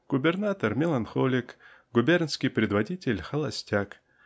губернатор меланхолик, губернский предводитель -- холостяк.